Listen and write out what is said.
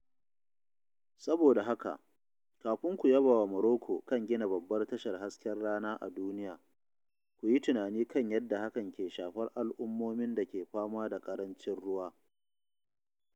Saboda haka, kafin ku yabawa Morocco kan gina babbar tashar hasken rana a duniya, ku yi tunani kan yadda hakan ke shafar al’ummomin da ke fama da ƙarancin ruwa.